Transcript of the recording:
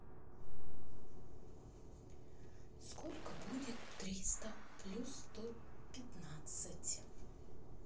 сколько будет триста плюс сто пятнадцать